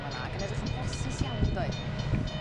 ...yn fan 'na ag yn edrych yn flasus iawn doedd.